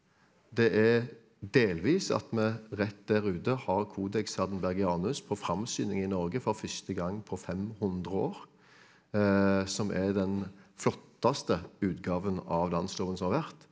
det er delvis at med rett der ute har Codex Hardenbergianus på framsyning i Norge for første gang på 500 år som er den flotteste utgaven av landsloven som har vært.